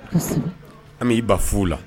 An bɛ i ba fo la